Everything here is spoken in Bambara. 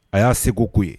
A y'a seko k'u ye